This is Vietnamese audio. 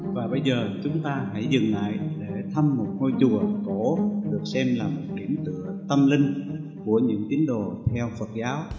bây giờ chúng ta hãy dừng lại để thăm một ngôi chùa cổ được xem là một điểm tựa tâm linh của những tín đồ theo đạo phật